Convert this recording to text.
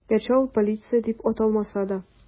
Гәрчә ул полиция дип аталмаса да.